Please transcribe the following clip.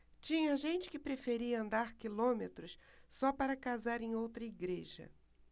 tinha gente que preferia andar quilômetros só para casar em outra igreja